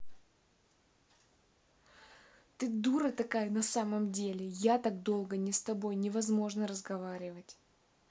ты такая дура на самом деле я так долго не с тобой невозможно разговаривать